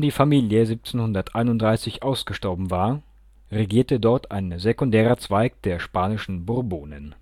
Familie 1731 ausgestorben war, regierte dort ein sekundärer Zweig der spanischen Bourbonen